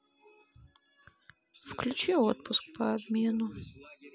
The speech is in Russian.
включи отпуск по обмену